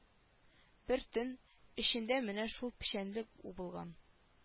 Бер төн эчендә менә шул печәнлек убылган